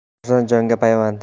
farzand jonga payvand